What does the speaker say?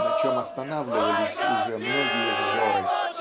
на чем останавливались уже многие взоры